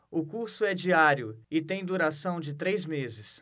o curso é diário e tem duração de três meses